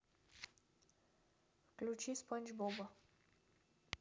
включи спанч боба